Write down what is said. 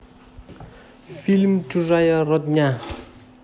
фильм чужая родня